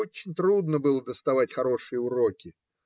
Очень трудно было доставать хорошие уроки.